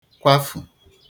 kwafù